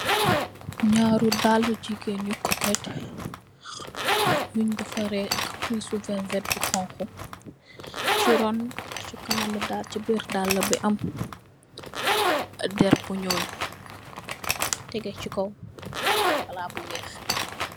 Ñarru daalu jigéen yu kokit nung defarè ak pisu venvert bu honku. Chu ron chi kanam dal, chi biir daal lu bi am dèrr bu ñuul tégé chi kaw palaat bu weeh.